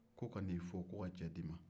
ko ka n'i fo ko ka cɛ d'i ma